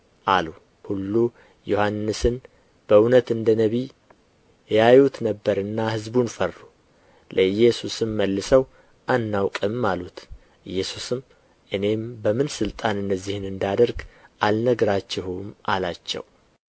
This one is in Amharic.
አሉ ሁሉ ዮሐንስን በእውነት እንደ ነቢይ ያዩት ነበርና ሕዝቡን ፈሩ ለኢየሱስም መልሰው አናውቅም አሉት ኢየሱስም እኔም በምን ሥልጣን እነዚህን እንዳደርግ አልነግራችሁም አላቸው